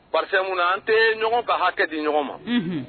Pa mun an tɛ ɲɔgɔn ka hakɛ di ɲɔgɔn ma